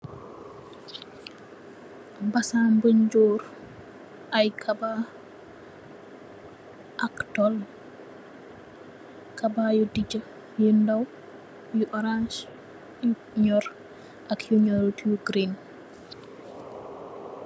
Basang bunj joor, ay kabaa, ak tol, kaba yu dija, yu ndaw, yu oraans, yu nyoor, ak yu nyoorut yu giriin.